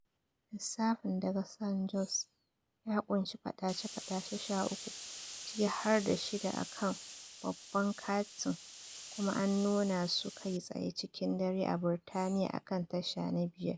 Lissafin daga San Jose ya ƙunshi fadace-fadace 13, ciki harda shida a kan babban katin kuma an nuna su kai tsaye cikin dare a Birtaniya akan Tasha na 5.